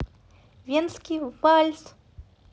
венский вальс